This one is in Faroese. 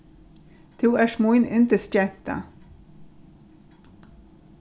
tú ert mín yndisgenta